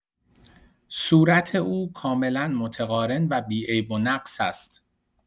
صورت او کاملا متقارن و بی‌عیب و نقص است.